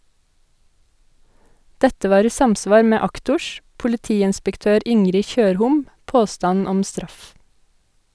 Dette var i samsvar med aktors, politiinspektør Ingrid Tjørhom , påstand om straff.